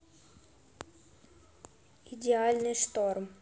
идеальный шторм